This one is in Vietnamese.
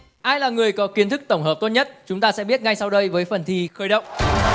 ai là người có kiến thức tổng hợp tốt nhất chúng ta sẽ biết ngay sau đây với phần thi khởi động